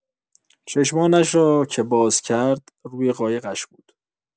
چشمانش را که باز کرد، روی قایقش بود.